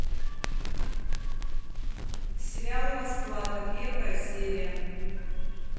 сериал расплата первая серия